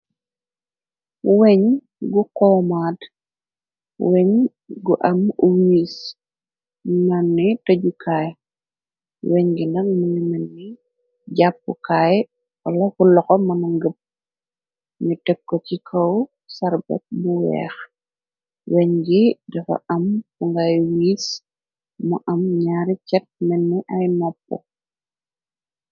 Weñ gu komaad weñ gu am uwiis mànni tëjukaay weñ gi na mini manni jàppukaay wala ku loxo mëna ngëb ni tëkko ci kaw sarbet bu weex weñ gi dafa am bu ngay wiis mu am ñaari cet menni ay noppo.